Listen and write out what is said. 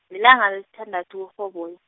lilanga lesithandathu kuRhoboyi.